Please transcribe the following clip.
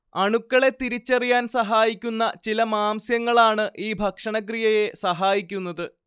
അണുക്കളെ തിരിച്ചറിയാൻ സഹായിക്കുന്ന ചില മാംസ്യങ്ങളാണ് ഈ ഭക്ഷണക്രിയയെ സഹായിക്കുന്നത്